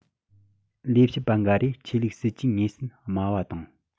ལས བྱེད པ འགའ རེ ཆོས ལུགས སྲིད ཇུས ངོས ཟིན དམའ བ དང